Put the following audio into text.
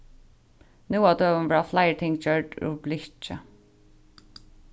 nú á døgum verða fleiri ting gjørd úr blikki